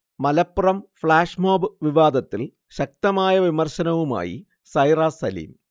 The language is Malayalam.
മലപ്പുറം ഫ്ളാഷ് മോബ് വിവാദത്തിൽ ശക്തമായ വിമർശനവുമായി സൈറ സലീം